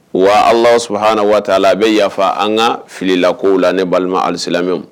Wa ala sɔrɔha ha waati a bɛ yafa an ka fili la ko la ne balima alisi lamɛnmɛ